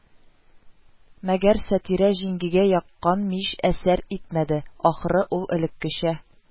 Мәгәр Сатирә җиңгигә яккан мич әсәр итмәде, ахры, ул элеккечә: